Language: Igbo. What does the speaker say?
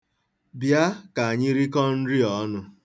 Bịa ka anyị rikọọ nri a ọnụ.